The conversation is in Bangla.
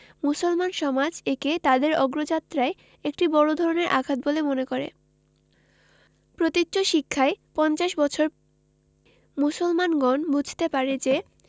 মুসলমান সমাজ একে তাদের অগ্রযাত্রায় একটি বড় ধরনের আঘাত বলে মনে করে প্রতীচ্য শিক্ষায় পঞ্চাশ বছর মুসলমানগণ বুঝতে পারে যে